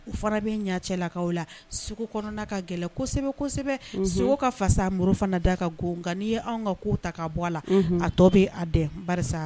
U fana bɛ ɲɛ cɛlakaw la sogo kɔnɔna' ka gɛlɛ kosɛbɛ kosɛbɛ sogo ka fasa muru fana d'a kan ko nka n'i ye anw ka ko ta ka bɔ a la a tɔ bɛ'a dɛmɛ